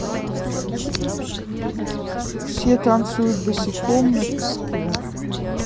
все танцуют босиком на песке